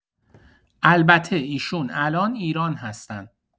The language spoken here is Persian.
البته ایشون الان ایران هستن.